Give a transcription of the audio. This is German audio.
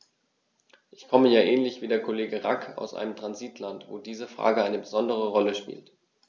Ich komme ja ähnlich wie der Kollege Rack aus einem Transitland, wo diese Frage eine besondere Rolle spielt.